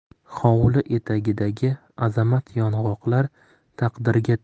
hovli etagidagi azamat yong'oqlar taqdirga